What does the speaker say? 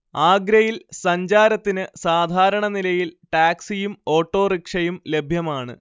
ആഗ്രയിൽ സഞ്ചാരത്തിന് സാധാരണ നിലയിൽ ടാക്സിയും ഓട്ടോറിക്ഷയും ലഭ്യമാണ്